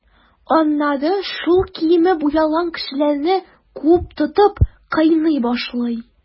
Аннары шул киеме буялган кешеләрне куып тотып, кыйный башлый.